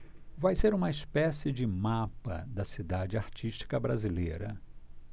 vai ser uma espécie de mapa da cidade artística brasileira